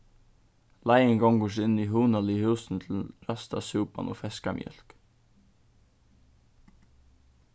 leiðin gongur so inn í hugnaligu húsini til ræsta súpan og feska mjólk